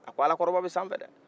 a ko ala kɔrɔba bɛ sanfɛ dɛ